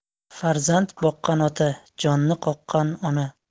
farzand boqqan ota jonni qoqqan ona